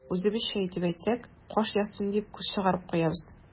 Үзебезчә итеп әйтсәк, каш ясыйм дип, күз чыгарып куябыз.